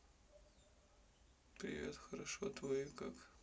привет хорошо твои как